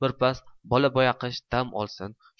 birpas bolaboyaqish dam olsin